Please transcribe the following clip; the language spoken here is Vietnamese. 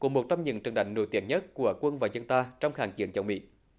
của một trong những trận đánh nổi tiếng nhất của quân và dân ta trong kháng chiến chống mỹ